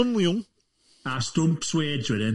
Wniwn, a stwmp swêj wedyn.